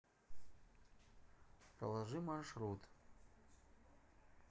проложи маршрут